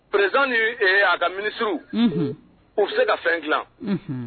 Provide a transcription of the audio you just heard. Prezsan a ka miniuru u bɛ se ka fɛn dila